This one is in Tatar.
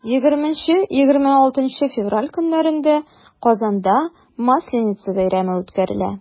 20-26 февраль көннәрендә казанда масленица бәйрәме үткәрелә.